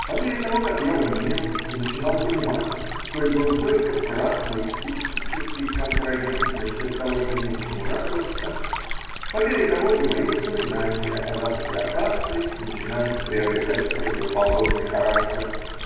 По мере того как я умнел и начинал понимать, сколь был горько прав мой скептический контрагент насчет того, что нечему радоваться, -- по мере того и мои воспоминания о запахе акации начинают приобретать противоположный характер.